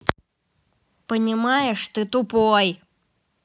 понимаешь ты тупой